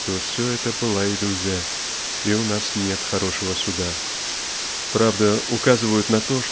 что все это была иллюзия и у нас нет хорошего суда. Правда указывают на то